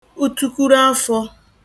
utukuru afọ̄